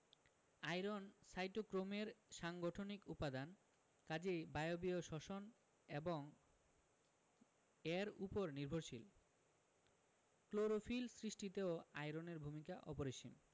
iron সাইটোক্রোমের সাংগঠনিক উপাদান কাজেই বায়বীয় শ্বসন এর উপর নির্ভরশীল ক্লোরোফিল সৃষ্টিতেও আয়রনের ভূমিকা অপরিসীম